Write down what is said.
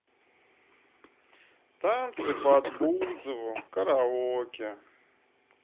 танцы под бузову караоке